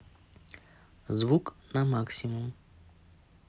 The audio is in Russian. звук на максимум